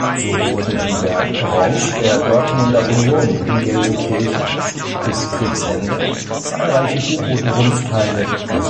So wurden im Werk Orange der Dortmunder Union in Gelsenkirchen bis Kriegsende zahlreiche U-Boot-Rumpfteile der